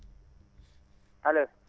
allo